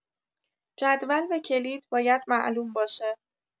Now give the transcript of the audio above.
جدول و کلید باید معلوم باشه.